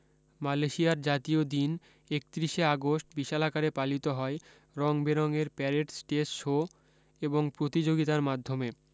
মালয়েশিয়ার জাতীয় দিন একত্রিশ এ আগষ্ট বিশালাকারে পালিত হয় রঙ বে রঙের প্যারেড স্টেজ শো এবং প্রতিযোগীতার মাধ্যমে